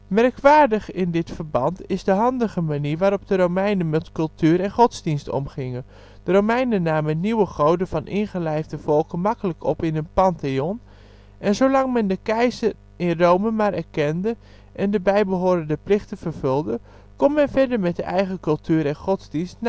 Merkwaardig in dit verband is de handige manier waarop de Romeinen met cultuur en godsdienst omgingen: de Romeinen namen " nieuwe " goden van ingelijfde volken makkelijk op in hun " Pantheon " en zolang men de keizer (Rome) maar erkende (en de bijbehorende plichten vervulde) kon men verder met de eigen cultuur en godsdienst